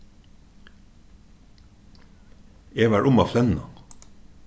eg var um at flenna